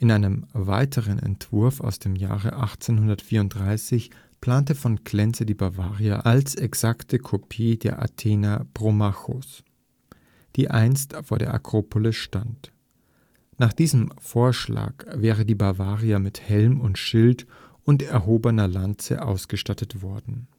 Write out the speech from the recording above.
einem weiteren Entwurf aus dem Jahr 1834 plante v. Klenze die Bavaria als exakte Kopie der Athena Promachos, die einst vor der Akropolis stand. Nach diesem Vorschlag wäre die Bavaria mit Helm und Schild und erhobener Lanze ausgestattet worden